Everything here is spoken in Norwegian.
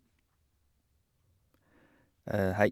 Hei.